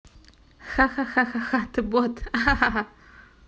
ха ха ха ха ха ты бот ахахаха